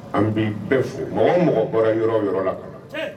An b'i bɛ fo mɔgɔ mɔgɔ bɔra yɔrɔ yɔrɔ la